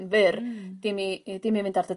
...yn fyr... Hmm. ...i mi ne' dim i mynd ar dy